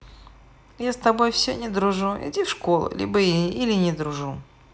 я с тобой все не дружу иди в школу либо или не дружу